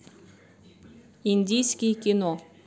индийский кино